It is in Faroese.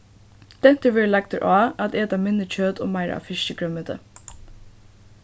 dentur verður lagdur á at eta minni kjøt og meira av fiski og grønmeti